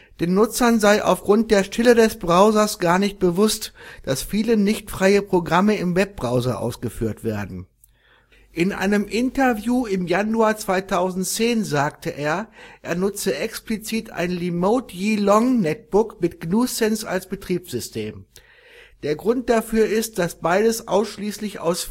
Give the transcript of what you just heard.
Den Nutzern sei aufgrund der „ Stille des Browsers “gar nicht bewusst, dass viele nicht-freie Programme im Web-Browser ausgeführt würden. In einem Interview im Januar 2010 sagte er, er nutze explizit ein Lemote Yeeloong Netbook mit gNewSense als Betriebssystem. Der Grund dafür ist, dass beides ausschließlich aus